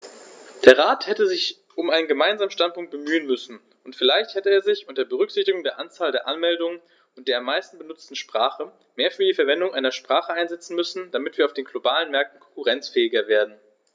Der Rat hätte sich um einen gemeinsamen Standpunkt bemühen müssen, und vielleicht hätte er sich, unter Berücksichtigung der Anzahl der Anmeldungen und der am meisten benutzten Sprache, mehr für die Verwendung einer Sprache einsetzen müssen, damit wir auf den globalen Märkten konkurrenzfähiger werden.